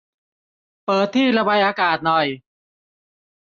เปิดที่ระบายอากาศหน่อย